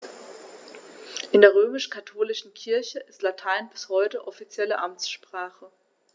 In der römisch-katholischen Kirche ist Latein bis heute offizielle Amtssprache.